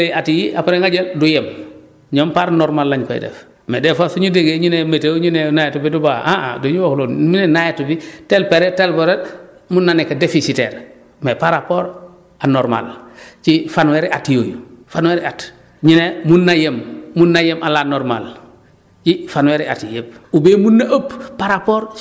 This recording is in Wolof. parce que normal bi soo ko jëlee at yi après nga jëm du yem ñoom par normal lañ koy def mais des fois su ñu déggee ñu ne météo ñu ne nawet bi du baax ah ah du ñu wax loolu ñu ne nawet bi telle période telle période mun na nekk déficitaire mais par rapport anormal ci fanweeri at yooyu fanweeri at ñu ne mun na yem mun na yem à la normale ci fanweeri at yi yëpp